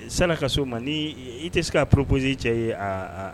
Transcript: Sanni a ka se o ma, ni i tɛ se k'a proposer i cɛ ye aa